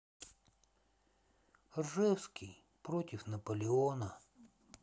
ржевский против наполеона